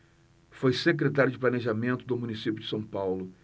foi secretário de planejamento do município de são paulo